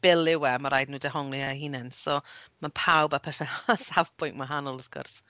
Bil yw e, ma' raid i nhw dehongli e eu hunain. So ma' pawb â perthynas , safbwynt wahanol wrth gwrs